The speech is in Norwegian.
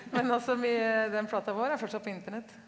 men altså den plata vår er fortsatt på internett.